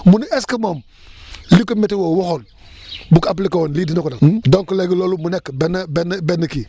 mu ni est ce que moom li ko météo waxoon bu ko appliqué woon lii dina ko dal donc léegi loolu mu nekk benn benn benn kii